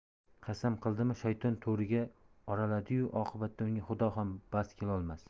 qasd qildimi shayton to'riga o'raladiyu oqibatda unga xudo ham bas kelolmas